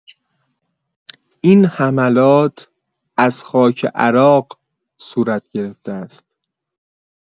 این حملات از خاک عراق صورت گرفته است.